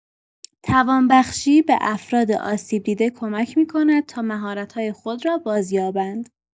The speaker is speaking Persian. توانبخشی به افراد آسیب‌دیده کمک می‌کند تا مهارت‌های خود را بازیابند.